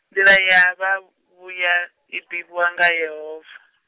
nḓila ya vha vhuya , iḓivhiwa nga Yehova.